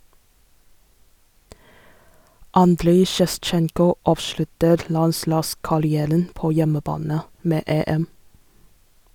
Andrij Sjevtsjenko avslutter landslagskarrieren på hjemmebane - med EM.